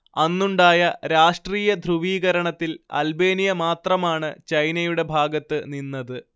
അന്നുണ്ടായ രാഷ്ട്രീയ ധ്രുവീകരണത്തിൽ അൽബേനിയ മാത്രമാണ് ചൈനയുടെ ഭാഗത്ത് നിന്നത്